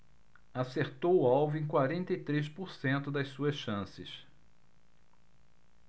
acertou o alvo em quarenta e três por cento das suas chances